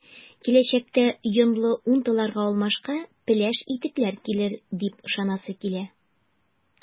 Киләчәктә “йонлы” унтыларга алмашка “пеләш” итекләр килер дип ышанасы килә.